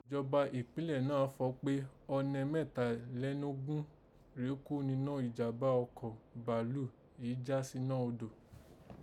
Ìjọba ìkpínlẹ̀ náà fọ̀ọ́ kpé ọnẹ mẹ́talénogún rèé kùn ninọ́ ìjàm̀bá ọkọ̀ balúù yìí ja sínọ́ odò